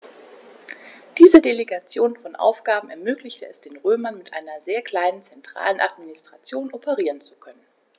Diese Delegation von Aufgaben ermöglichte es den Römern, mit einer sehr kleinen zentralen Administration operieren zu können.